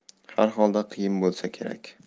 har holda qiyin bo'lsa kerak